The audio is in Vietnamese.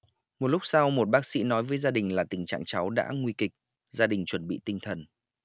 một lúc sau một bác sĩ nói với gia đình là tình trạng cháu đã nguy kịch gia đình chuẩn bị tinh thần